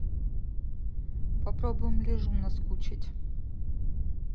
попробуем лежу наскучить